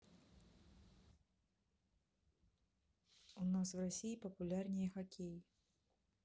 у нас в россии популярнее хоккей